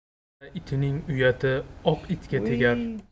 qora itning uyati oq itga tegar